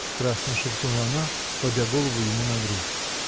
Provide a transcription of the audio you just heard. — страстно шепнула она, кладя голову ему на грудь.